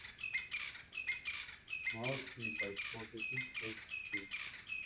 Մահացու չի, բայց փորձեցինք՝ պետք չի։